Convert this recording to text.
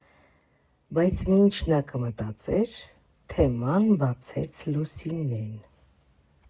Բայց մինչ նա կմտածեր, թեման բացեց Լուսինեն։